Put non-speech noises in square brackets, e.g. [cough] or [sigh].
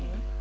[hesitation] [hesitation]